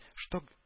Что